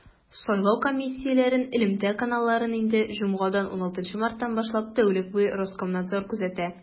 Сайлау комиссияләрен элемтә каналларын инде җомгадан, 16 марттан башлап, тәүлек буе Роскомнадзор күзәтә.